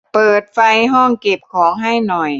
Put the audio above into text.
เปิดไฟห้องเก็บของให้หน่อย